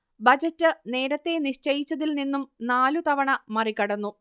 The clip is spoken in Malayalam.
ബജറ്റ് നേരത്തേ നിശ്ചയിച്ചതിൽ നിന്നും നാലുതവണ മറികടന്നു